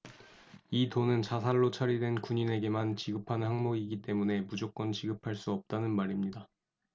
이 돈은 자살로 처리된 군인에게만 지급하는 항목이기 때문에 무조건 지급할 수 없다는 말입니다